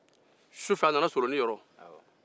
a nana solonin yɔrɔ su fɛ